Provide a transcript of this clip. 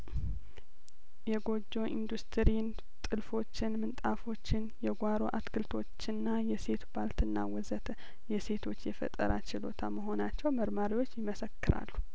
የጐጆ ኢንዱስትሪን ጥልፎችን ምንጣፎችን የጓሮ አትክልቶችና የሴት ባልትና ወዘተ የሴቶች የፈጠራ ችሎታ መሆናቸው መርማሪዎች ይመሰክራሉ